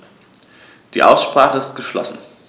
Die Aussprache ist geschlossen.